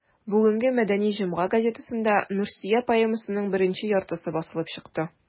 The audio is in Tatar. Бүгенге «Мәдәни җомга» газетасында «Нурсөя» поэмасының беренче яртысы басылып чыкты.